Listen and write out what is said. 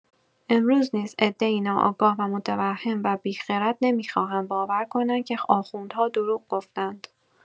امروز نیز عده‌ای ناآگاه ومتوهم و بی‌خرد نمی‌خواهند باور کنند که آخوندها دروغ گفتند.